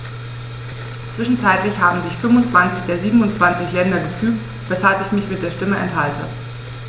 Zwischenzeitlich haben sich 25 der 27 Länder gefügt, weshalb ich mich der Stimme enthalte.